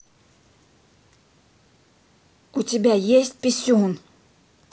у тебя есть писюн